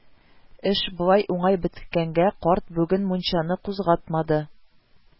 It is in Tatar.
Эш болай уңай беткәнгә карт бүген мунчаны кузгатмады